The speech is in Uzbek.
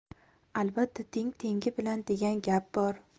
albatta teng tengi bilan degan gap bor